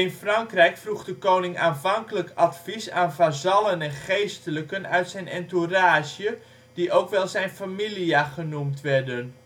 Frankrijk vroeg de koning aanvankelijk advies aan vazallen en geestelijken uit zijn entourage, die ook wel zijn familia genoemd werden